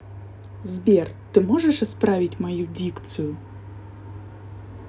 сбер ты можешь исправить мою дикцию